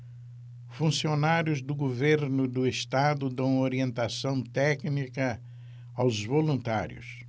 funcionários do governo do estado dão orientação técnica aos voluntários